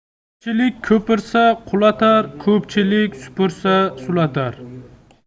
ko'pchilik ko'pirsa qulatar ko'pchilik supursa sulatar